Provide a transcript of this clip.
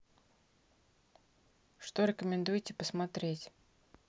что рекомендуете посмотреть